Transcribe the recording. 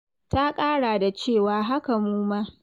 Ta ƙara da cewa, "Haka muma".